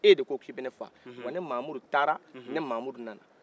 e de ko k'i bɛ ne faa wa ne mamudu taara wa ne mamudu naana